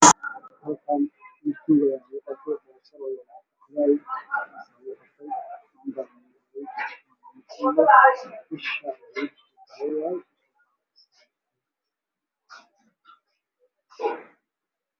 Meeshan waxaa yaalo door ay ku qoran tahay is oran qofna kuma arkeyse afka buuxdo